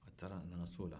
a taara a nana so o la